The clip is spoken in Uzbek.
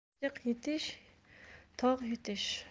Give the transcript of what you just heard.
achchiq yutish tog' yutish